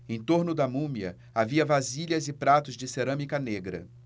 em torno da múmia havia vasilhas e pratos de cerâmica negra